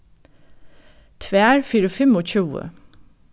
tvær fyri fimmogtjúgu